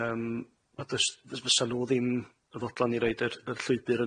Yym ma' dy- s- fysa n'w ddim yn fodlon i roid yr y llwybyr